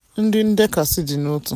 Ndị ndekasi dị n'otu